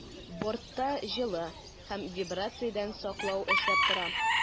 Бортта җылы һәм вибрациядән саклау эшләп тора.